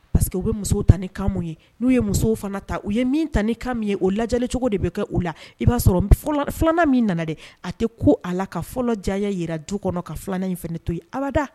Pa que u bɛ muso tan ni kanmi ye n'u ye musow fana ta u ye min ta ni kanmi ye o lajɛli cogo de bɛ kɛ u la i b'a sɔrɔ filanan min nana dɛ a tɛ ko a la ka fɔlɔ diya jira du kɔnɔ ka filanan in to ye abada